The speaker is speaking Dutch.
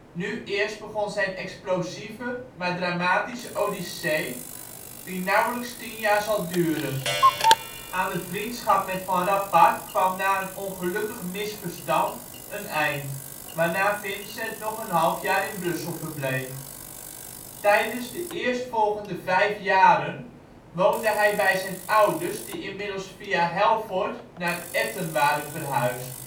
Nu eerst begon zijn explosieve maar dramatische odyssee, die nauwelijks tien jaar zal duren. Aan de vriendschap met Van Rappard kwam na een ongelukkig misverstand een eind, waarna Vincent nog een half jaar in Brussel verbleef. Tijdens de eerstvolgende vijf jaren woonde hij bij zijn ouders die inmiddels via Helvoirt naar Etten waren verhuisd